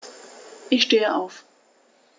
Ich stehe auf.